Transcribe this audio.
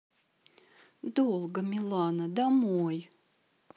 долго милана домой